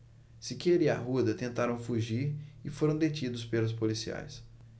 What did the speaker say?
siqueira e arruda tentaram fugir e foram detidos pelos policiais